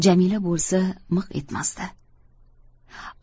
jamila bo'lsa miq etmasdi